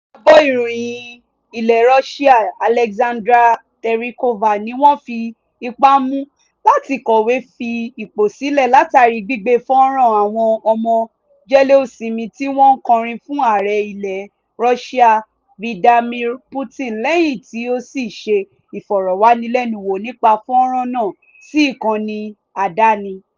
Ajábọ̀ ìròyìn ilẹ̀ Russia Alexandra Terikova ni wọ́n fi ipá mú láti kọ̀wé fi ipò sílẹ̀ látàrí gbígbé fọ́nrán àwọn ọmọ jẹ́léósinmi tí wọ́n ń kọrin fún ààrẹ ilẹ̀ Russia Vladimir Putin lẹ́yìn tí ó sì ṣe Ìfọ̀rọ̀wánilẹ́nuwò nípa fọ́nrán náà sí ìkànnì àdáni.